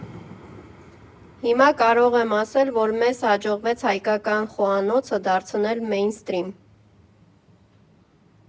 Հիմա կարող եմ ասել, որ մեզ հաջողվեց հայկական խոհանոցը դարձնել «մեյնսթրիմ»։